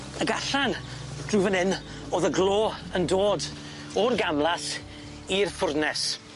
Ag allan drw fyn 'yn, o'dd y glo yn dod o'r gamlas i'r ffwrnes.